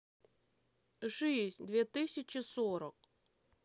жизнь две тысячи сорок